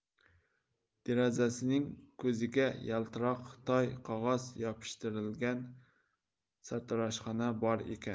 derazasining ko'ziga yaltiroq xitoy qog'oz yopishtirilgan sartaroshxona bor ekan